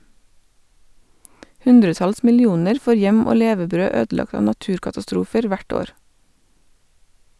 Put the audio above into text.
Hundretalls millioner får hjem og levebrød ødelagt av naturkatastrofer hvert år.